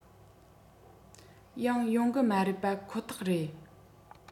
ཡང ཡོང གི མ རེད པ ཁོ ཐག རེད